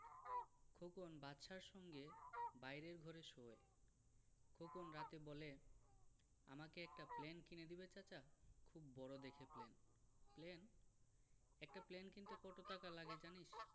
খোকন বাদশার সঙ্গে বাইরের ঘরে শোয় খোকন রাতে বলে আমাকে একটা প্লেন কিনে দিবে চাচা খুব বড় দেখে প্লেন প্লেন একটা প্লেন কিনতে কত টাকা লাগে জানিস